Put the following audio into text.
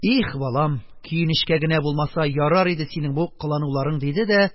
Их, балам, көенечкә генә булмаса ярар иде синең бу кылануларың, - диде дә